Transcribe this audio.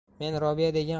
men robiya degan